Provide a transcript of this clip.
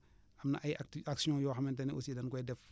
am na ay acti action yoo xamante ne aussi dañu koy def